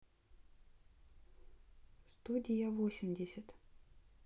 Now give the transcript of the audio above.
студия восемьдесят